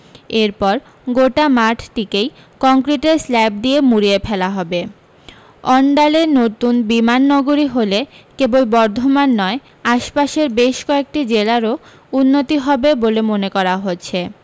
এরপর গোটা মাঠটিকেই কংক্রিটের স্ল্যাব দিয়ে মুড়িয়ে ফেলা হবে অণডালে নতুন বিমাননগরী হলে কেবল বর্ধমান নয় আশপাশের বেশ কয়েকটি জেলারও উন্নতি হবে বলে মনে করা হচ্ছে